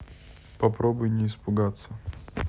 попробуй не испугаться